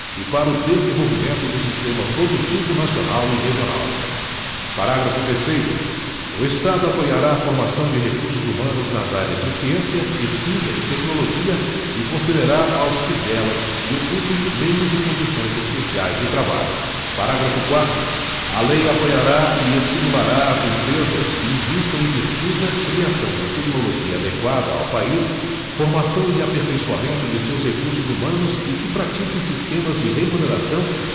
e para o desenvolvimento do sistema produtivo nacional e regional parágrafo terceiro o estado apoiará a formação de recursos humanos nas áreas de ciência pesquisa e tecnologia e concederá aos que delas se ocupem meios e condições especiais de trabalho parágrafo quarto a lei apoiará e estimulará as empresas que invistam em pesquisa criação de tecnologia adequada ao país formação e aperfeiçoamento de seus recursos humanos e que pratiquem sistemas de remuneração